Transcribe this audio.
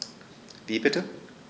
Wie bitte?